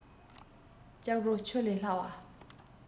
སྐྱག རོ ཆུ ལས སླ བ